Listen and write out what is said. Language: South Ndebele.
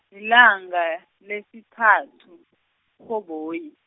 lilanga, lesithathu, kuRhoboyi.